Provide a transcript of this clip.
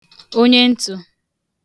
onyentụ̄